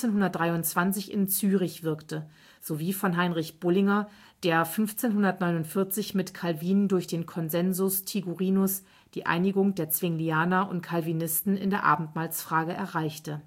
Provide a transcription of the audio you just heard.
1523 in Zürich wirkte, sowie von Heinrich Bullinger, der 1549 mit Calvin durch den Consensus Tigurinus die Einigung der Zwinglianer und Calvinisten in der Abendmahlsfrage erreichte